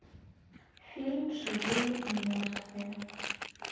фильм живые и мертвые